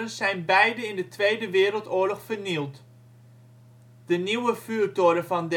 zijn beide in de Tweede Wereldoorlog vernield. De nieuwe vuurtoren van Delfzijl